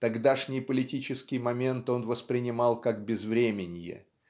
Тогдашний политический момент он воспринимал как безвременье